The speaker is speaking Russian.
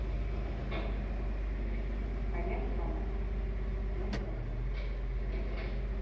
а я не помог но никогда